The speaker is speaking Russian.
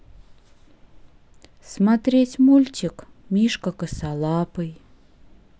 смотреть мультик мишка косолапый